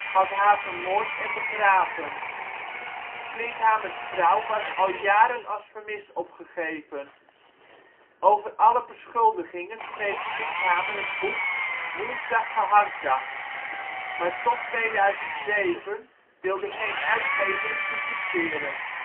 had haar vermoord en begraven. Klinkhamers vrouw was al jaren als vermist opgegeven. Over alle beschuldigingen schreef Klinkhamer het boek Woensdag gehaktdag, maar tot 2007 wilde geen uitgever het publiceren